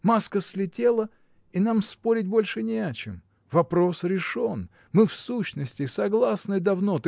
Маска слетела — и нам спорить больше не о чем. Вопрос решен. Мы в сущности согласны давно.